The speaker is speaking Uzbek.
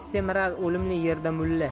semirar o'limli yerda mulla